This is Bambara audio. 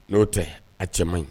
N'o tɛ a cɛ man ɲi